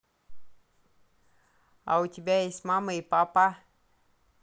а у тебя есть мама и папа